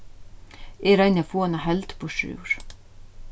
eg royni at fáa eina heild burturúr